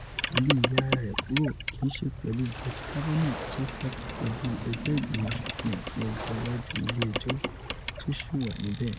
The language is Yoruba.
Kole ya ara rẹ kúrò, kiiṣe pẹlu Brett Kavanaugh ti o fẹ kọju ẹgbẹ igbimọ aṣofin ati ọjọ iwaju Ile ẹjọ ti o ṣi wa nibẹ.